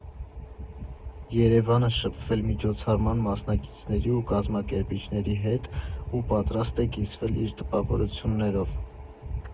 ԵՐԵՎԱՆը շփվել միջոցառման մասնակիցների ու կազմակերպիչների հետ, ու պատրաստ է կիսվել իր տպավորություններով։